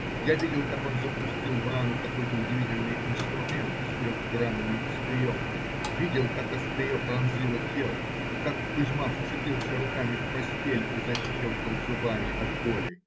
Я видел, как он запустил в рану какой-то удивительный инструмент с трехгранным острием, видел, как острие пронзило тело, как Кузьма вцепился руками в постель и защелкал зубами от боли.